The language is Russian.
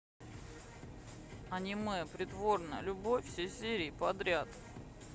аниме притворная любовь все серии подряд